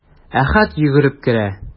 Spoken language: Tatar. Әхәт йөгереп керә.